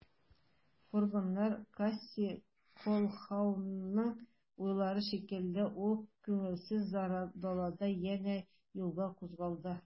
Фургоннар Кассий Колһаунның уйлары шикелле үк күңелсез, кара далада янә юлга кузгалды.